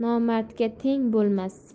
mard nomardga teng bo'lmas